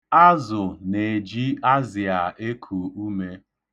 Azụ na-eji azịa eku ume.